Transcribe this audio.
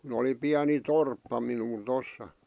kun oli pieni torppa minulla tuossa